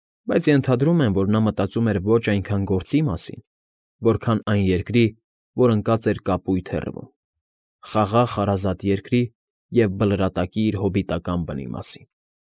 Բայց ենթադրում եմ, որ նա մտածում էր ոչ այնքան գործի մասին, որքան այն երկրի, որ ընկած էր կապույտ հեռվում, խաղաղ հարազատ երկրի և Բլրատակի իր հոբիտական բնի մասին։